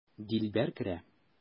Дилбәр керә.